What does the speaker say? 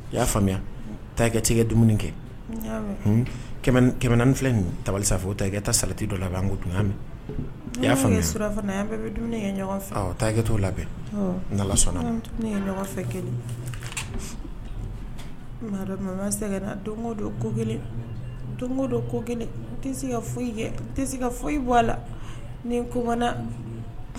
I y'a faamuya takɛ cɛ dumuni kɛ filɛ tabali sa ta ta sati dɔ la y'a mɛn y'a su yan bɛɛ bɛ dumuni kɛ ɲɔgɔn fɛ ta t labɛn sɔnna kelen se ka don ko kelen donko don ko kelen ka foyi ka foyi bɔ a la ni ko